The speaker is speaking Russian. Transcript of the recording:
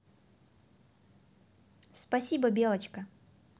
спасибо белочка